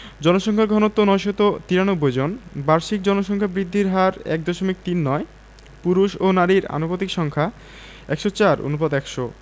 জনসংখ্যার ঘনত্ব ৯৯৩ জন বাৎসরিক জনসংখ্যা বৃদ্ধির হার ১দশমিক তিন নয় পুরুষ ও নারীর আনুপাতিক সংখ্যা ১০৪ অনুপাত ১০০